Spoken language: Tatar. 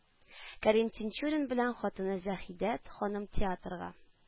Кәрим Тинчурин белән хатыны Заһидә ханым театрга